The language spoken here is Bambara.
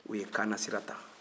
u ye kaana sira ta